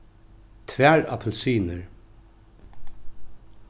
tvær appilsinir